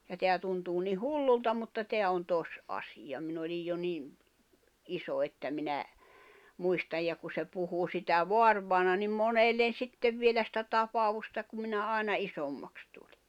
ja tämä tuntuu niin hullulta mutta tämä on tosiasia minä olin jo niin iso että minä muistan ja kun se puhui sitä vaarivainaja niin monelle sitten vielä sitä tapausta kun minä aina isommaksi tulin